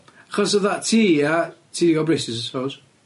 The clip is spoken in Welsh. Achos fatha ti a, ti 'di ga'l braces I suppose.